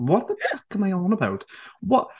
What the fuck am I on about?...Wha-